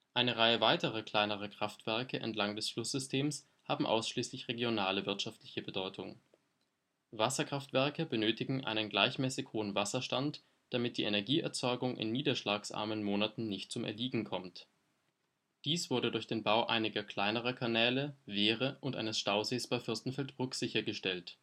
Eine Reihe weiterer kleinerer Kraftwerke entlang des Flusssystems haben ausschließlich regionale wirtschaftliche Bedeutung. Wasserkraftwerke benötigen einen gleichmäßig hohen Wasserstand, damit die Energieerzeugung in niederschlagsarmen Monaten nicht zum Erliegen kommt. Dies wurde durch den Bau einiger kleinerer Kanäle, Wehre und eines Stausees bei Fürstenfeldbruck sichergestellt